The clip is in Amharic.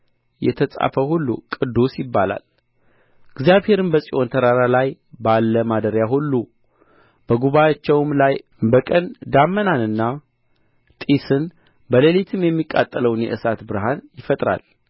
የተጻፈ ሁሉ ቅዱስ ይባላል እግዚአብሔርም በጽዮን ተራራ ላይ ባለ ማደሪያ ሁሉ በጉባኤአቸውም ላይ በቀን ዳመናንና ጢስን በሌሊትም የሚቃጠለውን የእሳት ብርሃን ይፈጥራል